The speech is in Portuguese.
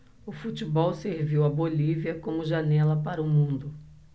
o futebol serviu à bolívia como janela para o mundo